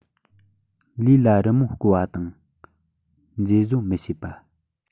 ལུས ལ རི མོ རྐོ བ དང མཛེས བཟོ མི བྱེད པ